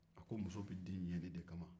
a ko muso bɛ di ɲɛli de ka ma